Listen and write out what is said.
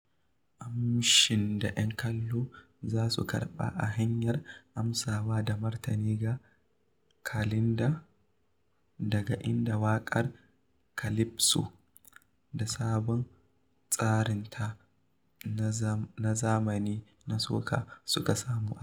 Amshin da 'yan kallo za su karɓa, a hanyar amsawa da martani ga "calinda", daga inda waƙar "calypso" - da sabon tsarinta na zamani, na soca - suka samo asali.